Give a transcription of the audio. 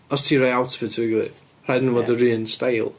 Os ti'n rhoi outfits efo'i gilydd. Rhaid i nhw fod yr un steil.